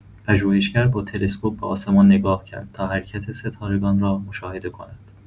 پژوهشگر با تلسکوپ به آسمان نگاه کرد تا حرکت ستارگان را مشاهده کند.